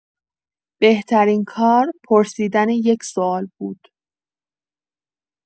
بهترین کار پرسیدن یک سوال بود.